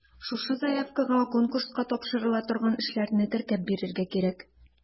Шушы заявкага конкурска тапшырыла торган эшләрне теркәп бирергә кирәк.